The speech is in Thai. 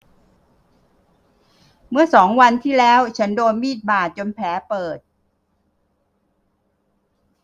เมื่อสองวันที่แล้วฉันโดนมีดบาดจนแผลเปิด